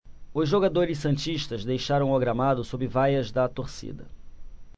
os jogadores santistas deixaram o gramado sob vaias da torcida